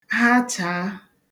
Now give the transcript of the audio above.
hachàà